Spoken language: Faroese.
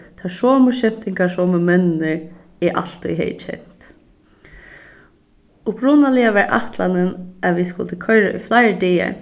teir somu skemtingarsomu menninir eg altíð hevði kent upprunaliga var ætlanin at vit skuldu koyra í fleiri dagar